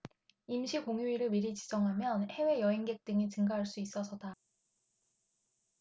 임시공휴일을 미리 지정하면 해외 여행객 등이 증가할 수 있어서다